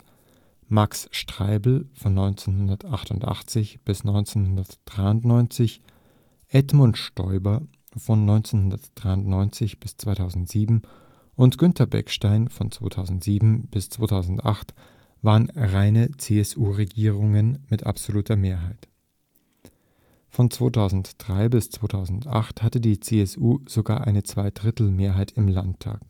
Max Streibl von 1988 bis 1993, Edmund Stoiber von 1993 bis 2007 und Günther Beckstein von 2007 bis 2008 waren reine CSU-Regierungen mit absoluter Mehrheit; von 2003 bis 2008 hatte die CSU sogar eine Zwei-Drittel-Mehrheit im Landtag